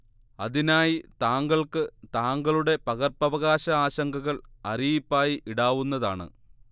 അതിനായി താങ്കൾക്ക് താങ്കളുടെ പകർപ്പവകാശ ആശങ്കകൾ അറിയിപ്പായി ഇടാവുന്നതാണ്